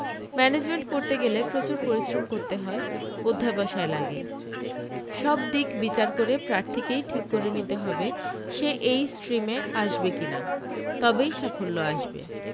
management পড়তে গেলে প্রচুর পরিশ্রম করতে হয় অধ্যাবসায় লাগে সব দিক বিচার করে প্রার্থীকেই ঠিক করে নিতে হবে সে এই স্ট্রিমে আসবে কী না তবেই সাফল্য আসবে